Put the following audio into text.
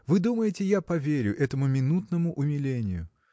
вы думаете, я поверю этому минутному умилению?